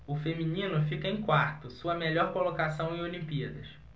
o feminino fica em quarto sua melhor colocação em olimpíadas